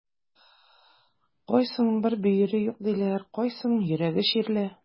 Кайсының бер бөере юк диләр, кайсының йөрәге чирле.